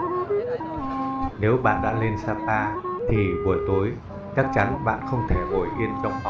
nếu bạn đã lên sapa thì buổi tối chắc chắn bạn không thể ngồi yên trong phòng được